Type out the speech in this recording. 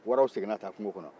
waraw seginna ka taa kungo kɔnɔ